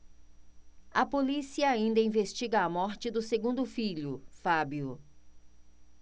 a polícia ainda investiga a morte do segundo filho fábio